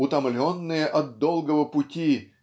утомленные от долгого пути